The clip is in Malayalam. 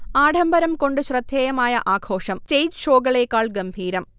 ആഢംബരംകൊണ്ടു ശ്രദ്ധേയമായ ആഘോഷം സ്റ്റേജ് ഷോകളേക്കാൾ ഗംഭീരം